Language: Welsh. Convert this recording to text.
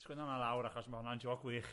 Sgwenna wnna lawr achos ma' hwnna'n jôc wych.